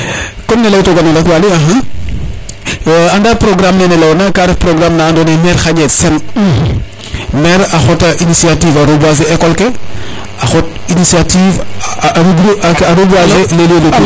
comme ne ley ta gona rek Waly anda programme nene leyona ka ref programme na ando naye maire xaƴe sen maire o xota intiative a reboiser ecole ke a xota intiative a reboiser les